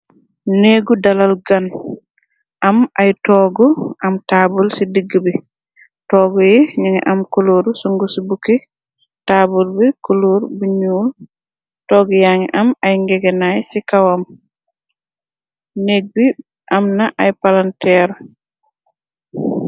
Néggu dalal gan am ay toogu am taabul ci digg bi toogu yi ningi am kuluur sungu ci bukki taabul bi kuluur bi ñuul toggi yaangi am ay ngégenaay ci kawam négg bi amna ay palanteer.